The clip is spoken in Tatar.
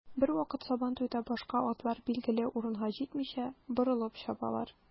Бервакыт сабантуйда башка атлар билгеле урынга җитмичә, борылып чабалар.